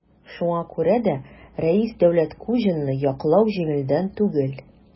Шуңа күрә дә Рәис Дәүләткуҗинны яклау җиңелдән түгел.